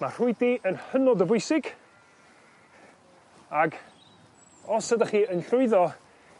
Ma' rhwydi yn hynod o bwysig ag os ydach chi yn llwyddo